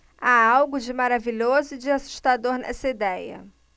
há algo de maravilhoso e de assustador nessa idéia